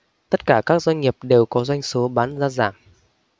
tất cả các doanh nghiệp đều có doanh số bán ra giảm